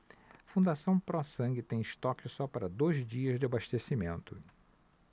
fundação pró sangue tem estoque só para dois dias de abastecimento